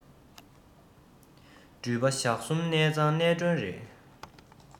འགྲུལ པ ཞག གསུམ གནས ཚང གནས མགྲོན རེད